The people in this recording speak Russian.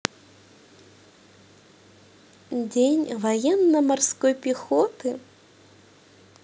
день военно морской пехоты